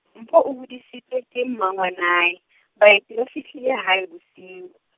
Mpho o hodisitswe ke mmangwanae, Baeti ba fihlile hae bosiu.